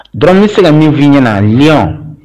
Dɔrɔnmi se ka minfini ɲɛnali